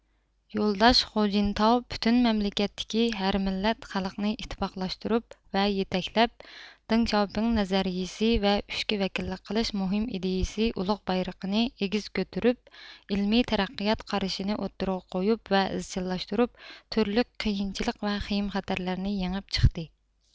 يولداش خۇجىنتاۋ پۈتۈن مەملىكەتتىكى ھەر مىللەت خەلقنى ئىتتىپاقلاشتۇرۇپ ۋە يېتەكلەپ دېڭشياۋپىڭ نەزەرىيىسى ۋە ئۈچكە ۋەكىللىك قىلىش مۇھىم ئىدىيىسى ئۇلۇغ بايرىقىنى ئېگىز كۆتۈرۈپ ئىلمىي تەرەققىيات قارىشىنى ئوتتۇرىغا قويۇپ ۋە ئىزچىللاشتۇرۇپ تۈرلۈك قىيىنچىلىق ۋە خېيمخەتەرلەرنى يېڭىپ چىقتى